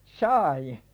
sai